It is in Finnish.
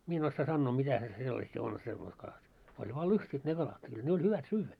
minä en osaa sanoa mitä se sellaisia on semmoista kalat oli vain lystit ne kalat kyllä ne oli hyvät syödä